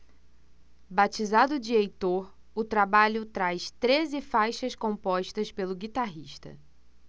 batizado de heitor o trabalho traz treze faixas compostas pelo guitarrista